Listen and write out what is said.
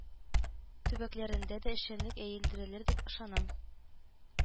Төбәкләрендә дә эшчәнлек әелдерелер, дип ышанам